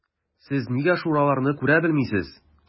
Сез нигә шуларны күрә белмисез?